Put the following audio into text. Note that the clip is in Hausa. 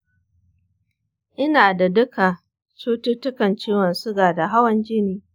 ina da duka cututtukan ciwon suga da hawan-jini.